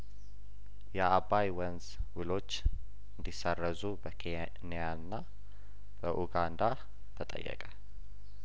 የአባይወንዝውሎች እንዲ ሰረዙ በኬንያና በኡጋንዳ ተጠየቀ